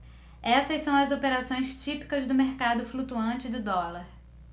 essas são as operações típicas do mercado flutuante de dólar